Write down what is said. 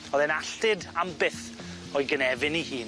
O'dd e'n alltud am byth o'i gynefin 'i hun.